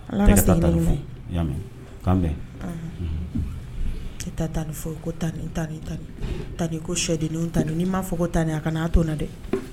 Tan e taa tan ni fɔ ko tan ni tanani tan tan ko sɛdennin ta nii m maa fɔ ko tanani a kan' to na dɛ